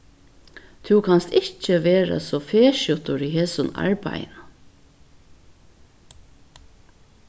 tú kanst ikki vera so fesjutur í hesum arbeiðinum